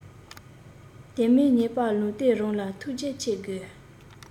དེ མིན ཉེས པ ལུས སྟེང རང ལ ཐུགས རྗེ ཆེ དགོས